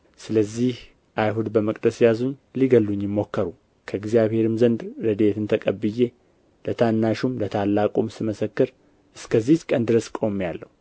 ስለዚህ አይሁድ በመቅደስ ያዙኝ ሊገድሉኝም ሞከሩ ከእግዚአብሔርም ዘንድ ረድኤት ተቀብዬ ለታናሹም ለታላቁም ስመሰክር እስከዚች ቀን ድረስ ቆሜአለሁ